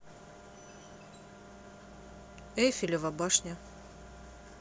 эйфелева башня